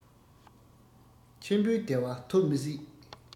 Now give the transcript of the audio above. ཆེན པོའི བདེ བ ཐོབ མི སྲིད